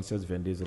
San de